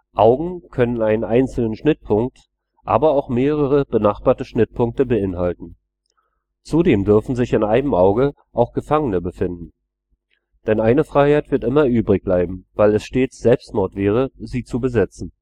Augen können einen einzelnen Schnittpunkt, aber auch mehrere benachbarte Schnittpunkte beinhalten. Zudem dürfen sich in einem Auge auch Gefangene befinden. Denn eine Freiheit wird immer übrig bleiben, weil es stets Selbstmord wäre, sie zu besetzen